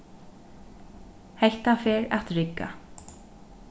hetta fer at rigga